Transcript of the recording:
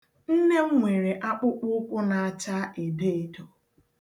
Nne m nwere akpụkpụụkwụ na-acha edoedo.